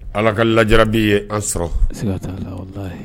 Allah ka lajarabi ye an sɔrɔ.